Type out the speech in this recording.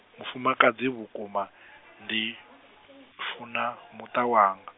mufumakadzi vhukuma , ndi, funa muṱa wanga.